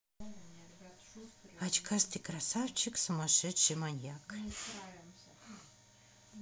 очкастый красавчик сумасшедший маньяк